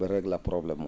?e régla probléme oo